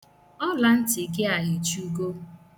Ọlantị gị a echugo.